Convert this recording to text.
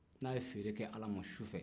n'a ye feere kɛ ala ma su fɛ